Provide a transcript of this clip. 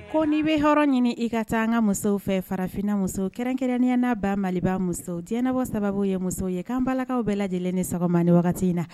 Ko n'i bɛ hɔrɔn ɲini , i ka taa an ka musow fɛ farafinna musow, kɛrɛnkɛrɛniya la baa Maliba muso , diɲɛnabɔ sababu ye muso ye, k'an balakaw bɛɛ lajɛlen ni sɔgɔma wagati in na.